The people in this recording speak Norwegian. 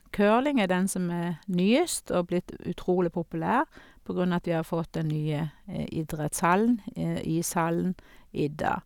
Curling er den som er nyest, og blitt utrolig populær, på grunn av at vi har fått den nye idrettshallen, ishallen, Idda.